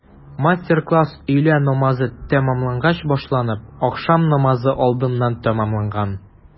Мастер-класс өйлә намазы тәмамлангач башланып, ахшам намазы алдыннан тәмамланган.